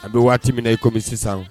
A don waati min na i kɔmimi sisan